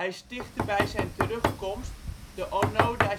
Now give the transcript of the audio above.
stichtte bij zijn terugkomst de Onoda